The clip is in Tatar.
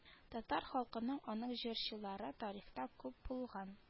Татар халкының аның җырчылары тарихта күп булган